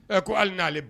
Ɛ ko hali n'ale